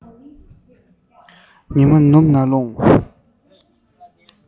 ཉི མ ནུབ ན ལྷུང